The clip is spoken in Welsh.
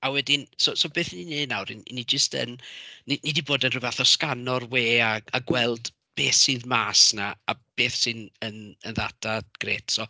A wedyn, so so beth 'y ni'n ei wneud nawr, 'y ni jyst yn ni ni 'di bod yn rhyw fath o sgano'r we a a gweld beth sydd mas 'na a beth sy'n yn yn ddata grêt.